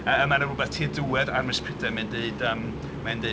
Mae 'na rhywbeth tua diwedd Armes Prydein, mae'n deud yym...